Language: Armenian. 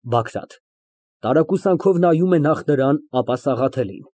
ԲԱԳՐԱՏ ֊ (Տարակուսանքով նայում է նախ նրան, ապա Սաղաթելին)